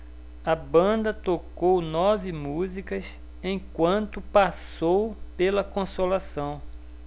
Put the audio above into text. a banda tocou nove músicas enquanto passou pela consolação